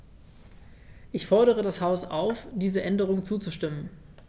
Ich fordere das Haus auf, diesen Änderungen zuzustimmen.